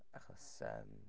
Achos ymym...